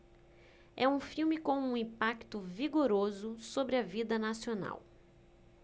é um filme com um impacto vigoroso sobre a vida nacional